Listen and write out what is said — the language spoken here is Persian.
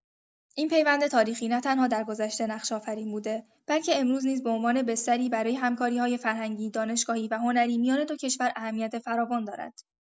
این پیوند تاریخی نه‌تنها درگذشته نقش‌آفرین بوده، بلکه امروز نیز به عنوان بستری برای همکاری‌های فرهنگی، دانشگاهی و هنری میان دو کشور اهمیت فراوان دارد.